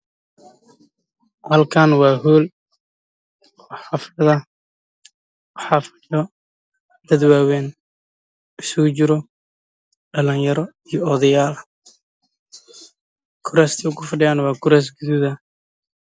Halkan waa hool xaflad ah